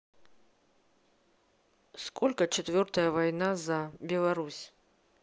сколько четвертая война за белорусь